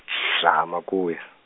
dza Ha Makuya.